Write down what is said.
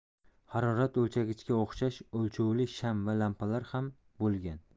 harorat o'lchagichga o'xshash o'lchovli sham va lampalar ham bo'lgan